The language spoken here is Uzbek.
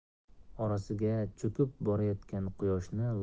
orasiga cho'kib borayotgan quyoshni